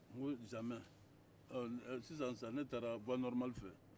n ko habada sisan sa ne taara sira nɔrɔmali fɛ